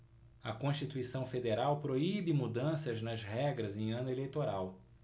a constituição federal proíbe mudanças nas regras em ano eleitoral